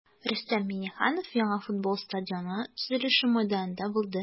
Рөстәм Миңнеханов яңа футбол стадионы төзелеше мәйданында булды.